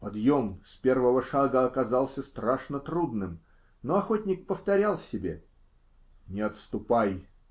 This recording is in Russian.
Подъем с первого шага оказался страшно трудным, но охотник повторял себе: -- Не отступай!